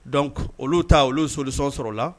Don olu ta olu solisɔn sɔrɔla la